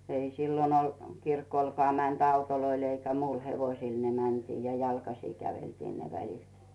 ei silloin ole kirkollekaan menty autoilla eikä muilla hevosilla ne mentiin ja jalkaisin käveltiin ne välit